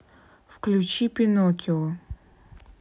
включи пиноккио